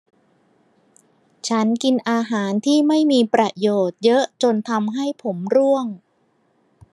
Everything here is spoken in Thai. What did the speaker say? ฉันกินอาหารที่ไม่มีประโยชน์เยอะจนทำให้ผมร่วง